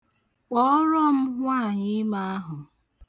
Kpọọrọ m nwaànyị̀ime ahụ.